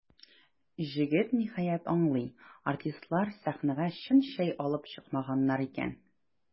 Җегет, ниһаять, аңлый: артистлар сәхнәгә чын чәй алып чыкмаганнар икән.